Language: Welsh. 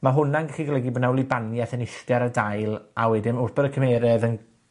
ma' hwnna'n gallu golygu bo 'na wlybanieth yn iste ar y dail a wedyn wrth bod y tymeredd yn